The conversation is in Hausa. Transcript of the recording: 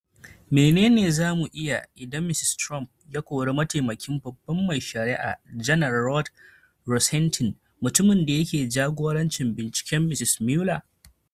Menene za mu yi idan Mr. Trump ya kori mataimakin Babban mai Shari'a Janar Rod Rosenstein, mutumin da yake jagorancin binciken Mr. Mueller?